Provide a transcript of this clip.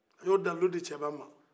a y'o dalilu di cɛba ma